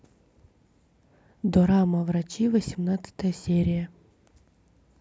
дорама врачи восемнадцатая серия